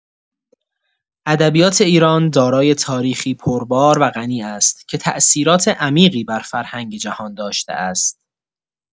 ادبیات ایران دارای تاریخی پربار و غنی است که تأثیرات عمیقی بر فرهنگ جهان داشته است.